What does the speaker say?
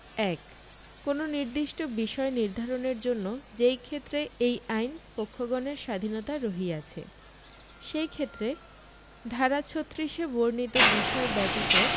১ কোন নির্দিষ্ট বিষয় নির্ধারণের জন্য যেইক্ষেত্রে এই আইন পক্ষগণের স্বাধীণতা রহিয়াছে সেইক্ষেত্রে ধারা ৩৬ এ বর্ণিত বিষয় ব্যতীত